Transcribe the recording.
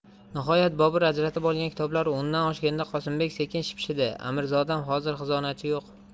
nihoyat bobur ajratib olgan kitoblar o'ndan oshganda qosimbek sekin shipshidi amirzodam hozir xizonachi yo'q